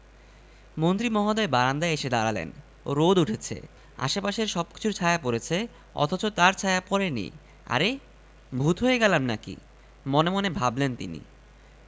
মন্ত্রী মহোদয় বারান্দায় এসে দাঁড়ালেন রোদ উঠেছে আশপাশের সবকিছুর ছায়া পড়েছে অথচ তাঁর ছায়া পড়েনি আরে ভূত হয়ে গেলাম নাকি মনে মনে ভাবলেন তিনি